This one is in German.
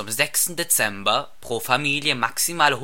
6. Dezember pro Familie maximal